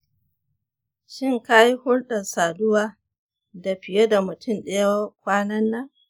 shin ka yi hulɗar saduwa da fiye da mutum ɗaya kwanan nan?